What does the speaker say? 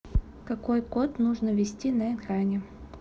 какой код нужно ввести на экране